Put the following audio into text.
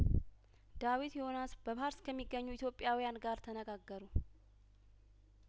ዳዊት ዮናስ በፓሪስ ከሚገኙ ኢትዮጵያውያን ጋር ተነጋገሩ